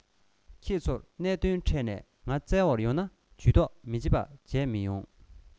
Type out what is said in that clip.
ཁྱེད ཚོར གནད དོན འཕྲད ནས ང བཙལ བར ཡོང ན ཇུས གཏོགས མི བྱེད པ བྱས མ ཡོང